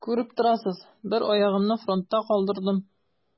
Күреп торасыз: бер аягымны фронтта калдырдым.